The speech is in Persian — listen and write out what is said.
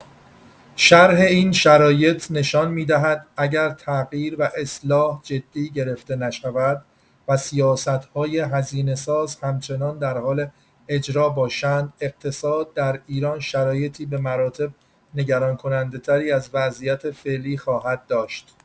شرح این شرایط نشان می‌دهد، اگر «تغییر و اصلاح» جدی گرفته نشود و سیاست‌های هزینه‌ساز همچنان در حال اجرا باشند، اقتصاد در ایران شرایطی به مراتب نگران کننده‌تری از وضعیت فعلی خواهد داشت.